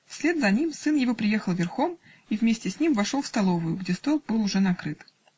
Вслед за ним сын его приехал верхом и вместе с ним вошел в столовую, где стол был уже накрыт.